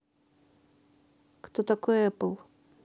кто такой эппл